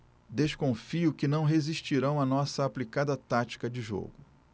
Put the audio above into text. desconfio que não resistirão à nossa aplicada tática de jogo